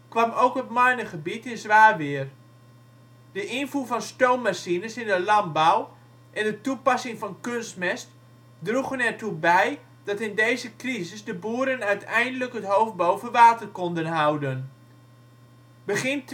kwam ook het Marnegebied in zwaar weer. De invoer van stoommachines in de landbouw en de toepassing van kunstmest droegen er toe bij dat in deze crisis de boeren uiteindelijk het hoofd boven water konden houden. Begin